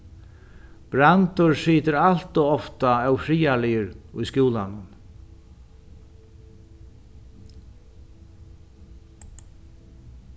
brandur situr alt ov ofta ófriðarligur í skúlanum